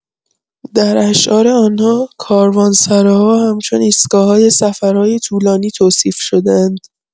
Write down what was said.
در اشعار آن‌ها، کاروانسراها همچون ایستگاه‌های سفرهای طولانی توصیف شده‌اند.